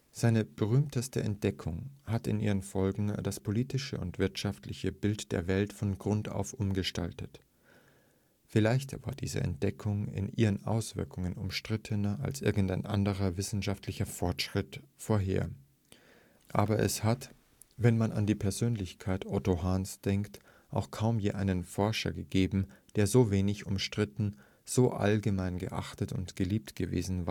Seine berühmteste Entdeckung hat in ihren Folgen das politische und wirtschaftliche Bild der Welt von Grund auf umgestaltet. Vielleicht war diese Entdeckung in ihren Auswirkungen umstrittener als irgendein anderer wissenschaftlicher Fortschritt vorher. Aber es hat, wenn man an die Persönlichkeit Otto Hahns denkt, auch kaum je einen Forscher gegeben, der so wenig umstritten, so allgemein geachtet und geliebt gewesen